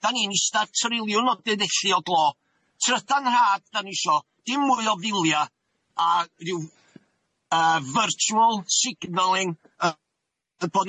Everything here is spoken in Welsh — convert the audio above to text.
Da ni'n ista triliwn o dynesu o glo, trydan rhad da ni isio, dim mwy o filia' a ryw yy, virtual signalling yy bod